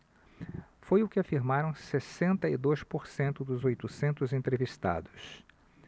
foi o que afirmaram sessenta e dois por cento dos oitocentos entrevistados